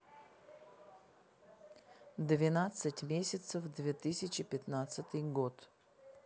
двенадцать месяцев две тысячи пятнадцатый год